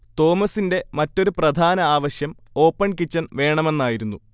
തോമസിന്റെ മറ്റൊരു പ്രധാന ആവശ്യം ഓപ്പൺ കിച്ചൺ വേണമെന്നായിരുന്നു